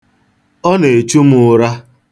Ọ na-echu m ụra.